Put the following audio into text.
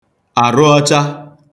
àrụọcha